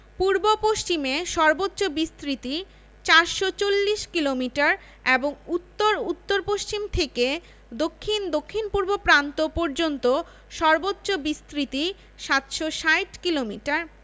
পূর্ব পশ্চিমে সর্বোচ্চ বিস্তৃতি ৪৪০ কিলোমিটার এবং উত্তর উত্তরপশ্চিম থেকে দক্ষিণ দক্ষিণপূর্ব প্রান্ত পর্যন্ত সর্বোচ্চ বিস্তৃতি ৭৬০ কিলোমিটার